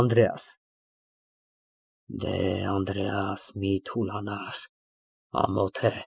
ԱՆԴՐԵԱՍ ֊ Դեհ, Անդրեաս, մի թուլանար ամոթ է։